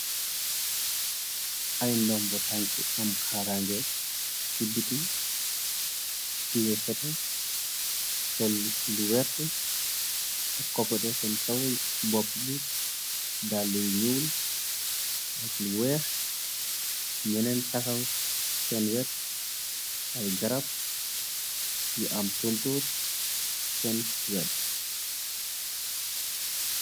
ay ndom bo tank am xarange ci biti tie feta son lu werr ak koppate seen kawuy bopp bi dalluy nuul ak lu weex ñeneen taxaw seen wet ay garab yu am tontur seen wet